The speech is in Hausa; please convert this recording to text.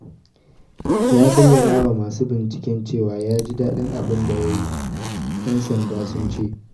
Ya bayyana wa masu binciken cewa ya ji daɗin abin da ya yi, 'yan sanda sun ce.